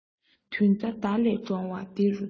དོན རྩ མདའ ལས འདྲོང བ དེ རུ ཚང